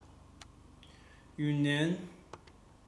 ཡུན ནན